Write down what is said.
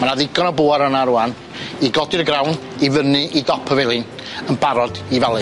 Ma' na ddigon o bŵer yna rŵan i godi'r grawn i fyny i dop y felin yn barod i falu.